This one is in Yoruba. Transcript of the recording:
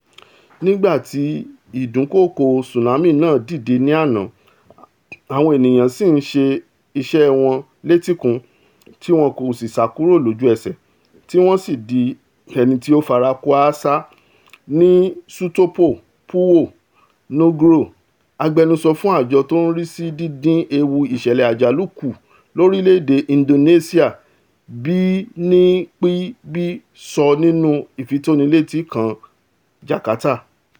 Nígbà tí ìdúnkoòkò tsunami náà dìde ní àná, àwọn ènìyàn sì ń ṣe iṣẹ́ wọn létíkun tíwọn kòsì sá kuro lójú-ẹsẹ̀ tí wọ́n sì di ẹniti o farakó-áásá,'' ni Sutopo Purwo Nugroho, agbẹnusọ fún àjọ tó ń rísí díndín ewu ìṣẹ̀lẹ̀ àjálù kù lorílẹ̀-èdè Indonesia BNPB sọ nínú ìfitónilétí kan Jarkata.